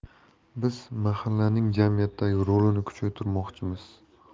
biz mahallaning jamiyatdagi rolini kuchaytirmoqchimiz